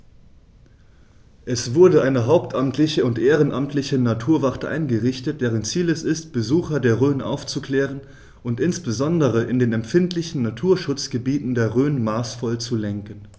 Es wurde eine hauptamtliche und ehrenamtliche Naturwacht eingerichtet, deren Ziel es ist, Besucher der Rhön aufzuklären und insbesondere in den empfindlichen Naturschutzgebieten der Rhön maßvoll zu lenken.